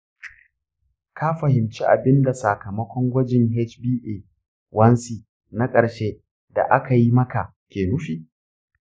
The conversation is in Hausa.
ka fahimci abin da sakamakon gwajin hba1c na ƙarshe da aka yi maka ke nufi?